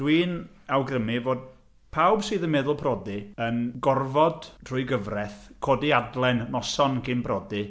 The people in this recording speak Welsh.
Dwi'n awgrymu fod pawb sydd yn meddwl priodi yn gorfod, trwy gyfraith, codi adlen noson cyn priodi.